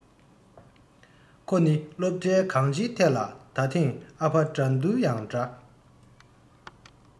ཁོ ནི སློབ གྲྭའི གང སྤྱིའི ཐད ལ ད ཐེངས ཨ ཕ དགྲ འདུལ ཡང འདྲ